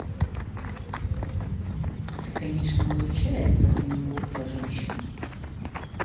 ты конечно изучается ты не глупая женщина